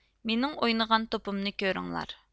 مېنىڭ ئوينىغان توپۇمنى كۆرۈڭلار